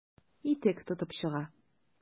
Итек тотып чыга.